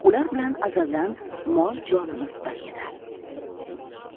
ular bilan azaldan mol jonimiz bir edi